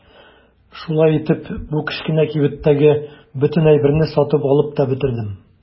Шулай итеп бу кечкенә кибеттәге бөтен әйберне сатып алып та бетердем.